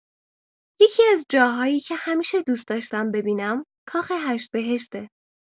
یکی‌از جاهایی که همیشه دوست داشتم ببینم، کاخ هشت‌بهشته.